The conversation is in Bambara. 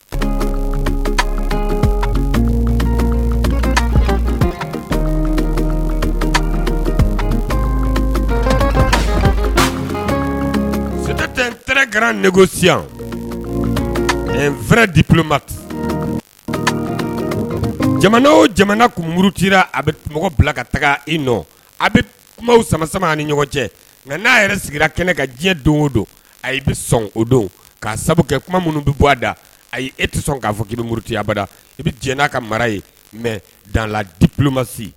Si dima jamana o jamana kun murutira a bɛ bila ka taga i a bɛ kuma sama sama ni ɲɔgɔn cɛ nka n' a yɛrɛ sigira kɛnɛ ka diɲɛ don o don a bɛ sɔn o don ka kɛ kuma minnu bɛ bɔ a da ae tɛ sɔn k'a fɔ k i bɛ muru tiyaba i bɛ diɲɛ n'a ka mara ye mɛ janla dimasi